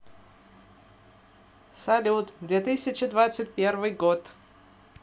салют две тысячи двадцать первый год